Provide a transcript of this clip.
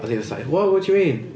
A oedd hi fatha wha- what do you mean?